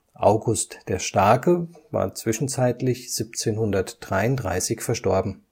August der Starke war zwischenzeitlich 1733 verstorben